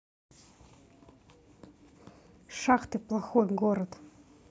шахты плохой город